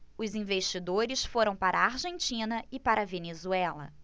os investidores foram para a argentina e para a venezuela